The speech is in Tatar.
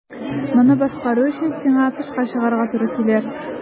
Моны башкару өчен сиңа тышка чыгарга туры килер.